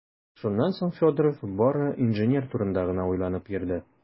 Шуннан соң Федоров бары инженер турында гына уйланып йөрде.